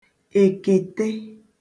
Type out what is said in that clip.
èkète